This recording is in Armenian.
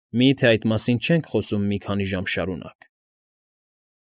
Մի՞թե այդ մասին չենք խոսում մի քանի ժամ շարունակ։ ֊